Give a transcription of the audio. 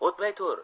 o'tmay tur